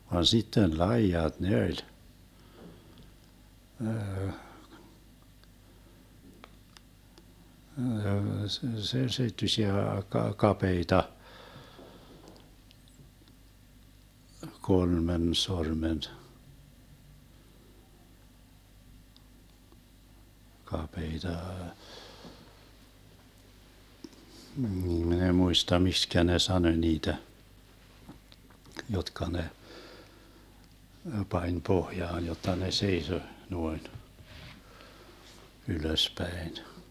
vaan sitten laidat ne oli - seittyisiä - kapeita kolmen sormen kapeita minä en muista miksi ne sanoi niitä jotka ne pani pohjaan jotta ne seisoi noin ylöspäin